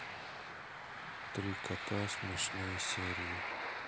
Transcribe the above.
три кота смешные серии